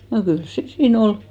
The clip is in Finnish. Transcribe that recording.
no kyllä se siinä oli